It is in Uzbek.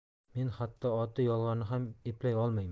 men hatto oddiy yolg'onni ham eplay olmayman